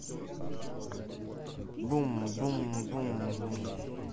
бум бум бум бум бум